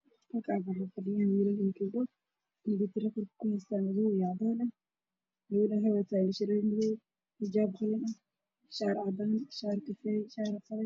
Waa wiilal iyo hal gabar Gabdha waxey qabtaa indha sharer madow ah